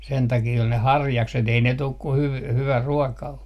sen takia oli ne harjakset ei ne tule kun - hyvä ruoka on